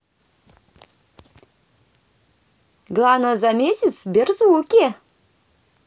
главное за месяц в сберзвуке